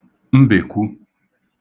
mbèkwu